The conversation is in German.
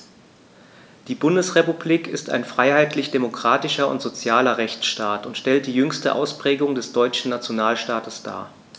Die Bundesrepublik ist ein freiheitlich-demokratischer und sozialer Rechtsstaat und stellt die jüngste Ausprägung des deutschen Nationalstaates dar.